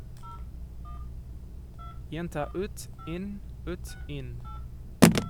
Gjenta ut, inn, ut, inn.